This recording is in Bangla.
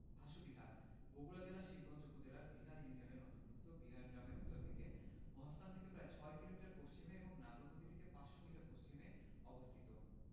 ভাসু বিহার বগুড়া জেলার শিবগঞ্জ উপজেলার বিহার ইউনিয়নের অন্তর্ভুক্ত বিহার গ্রামের উত্তর দিকে মহাস্থান থেকে প্রায় ৬ কিলোমিটার পশ্চিমে এবং নাগর নদী থেকে ৫০০ মিটার পশ্চিমে অবস্থিত